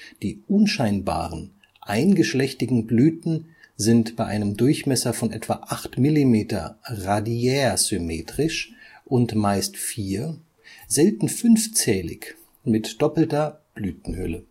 Die unscheinbaren, eingeschlechtigen Blüten sind bei einem Durchmesser von etwa 8 mm radiärsymmetrisch und meist 4 -, selten 5-zählig mit doppelter Blütenhülle